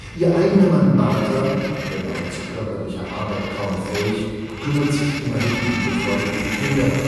Ihr eigener Mann Bater, wenn auch zu körperlicher Arbeit kaum fähig, kümmert sich immerhin liebevoll um die Kinder